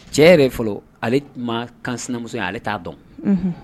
Cɛ yɛrɛ fɔlɔ ale tuma kan sinamusoya ale t'a dɔn, unhun.